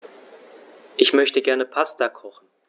Ich möchte gerne Pasta kochen.